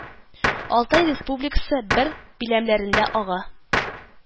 Алтай Республикасы бер биләмәләрендә ага